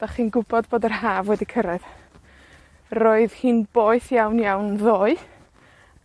'dach chi'n gwbod bod yr Haf wedi cyrraedd. Roedd hi'n boeth iawn, iawn ddoe.